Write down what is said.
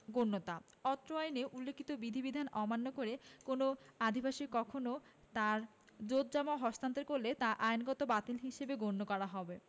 গণ্যতা অত্র আইনে উল্লিখিত বিধিবিধান অমান্য করে কোন আদিবাসী কখনো তার জোতজমা হস্তান্তর করলে তা আইনত বাতিল হিসেবে গণ্য করা হবে